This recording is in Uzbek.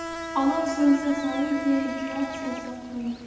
olov so'nsa soviydi giyoh so'lsa quriydi